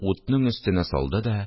Утның өстенә салды да